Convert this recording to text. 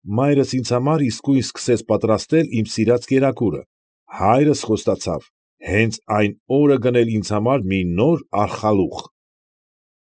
Մայրս իսկույն ինձ համար սկսեց պատրաստել իմ սիրած կերակուրը, հայրս խոստացավ հենց այն օրը գնել ինձ համար մի նոր արխալուղ։